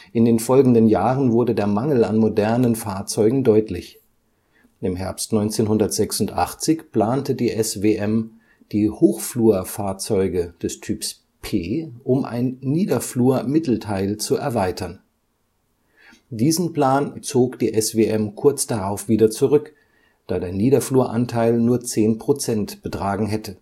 In den folgenden Jahren wurde der Mangel an modernen Fahrzeugen deutlich. Im Herbst 1986 plante die SWM, die Hochflurfahrzeuge des Typs P um ein Niederflurmittelteil zu erweitern. Diesen Plan zog die SWM kurz darauf wieder zurück, da der Niederfluranteil nur 10 Prozent betragen hätte